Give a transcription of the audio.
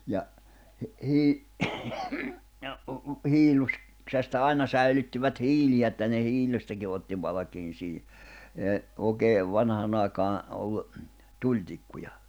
ja -- ja - hiilloksesta aina säilyttivät hiiliä että ne hiilestäkin otti valkean siihen ei oikein vanhaan aikaan ollut tulitikkuja